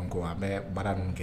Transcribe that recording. Ko an bɛ baara min kɛ